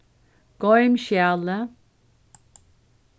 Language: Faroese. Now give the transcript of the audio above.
goym skjalið